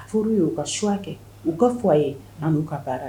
Furu ye uu ka suwa kɛ uu ka f fɔ a ye an b'u ka baara